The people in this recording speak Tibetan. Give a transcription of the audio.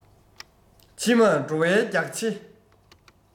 ཕྱི མར འགྲོ བའི རྒྱགས ཕྱེ